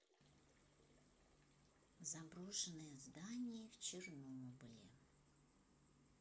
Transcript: заброшенное здание в чернобыле